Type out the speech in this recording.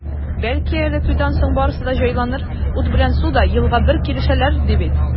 Бәлки әле туйдан соң барысы да җайланыр, ут белән су да елга бер килешәләр, ди бит.